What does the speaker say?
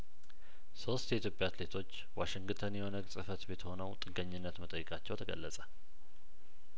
ሶስት የኢትዮጵያ አትሌቶች ዋሽንግተን የኦነግ ጽፈት ቤት ሆነው ጥገኝነት መጠየቃቸው ተገለጸ